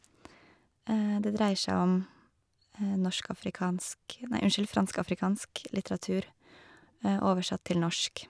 Det dreier seg om norsk-afrikansk, nei, unnskyld, fransk-afrikansk litteratur oversatt til norsk.